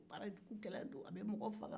baarajugukɛra do a bɛ mɔgɔ faga